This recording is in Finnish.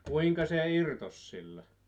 kuinka se irtosi sillä